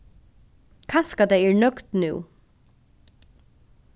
kanska tey eru nøgd nú